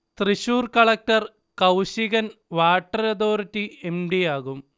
Thrissur collector Kaushigan water authority M. D. യാകും